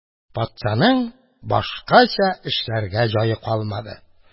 Патшаның башкача эшләргә җае калмады.